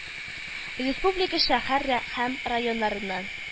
Республика шәһәр һәм районнарыннан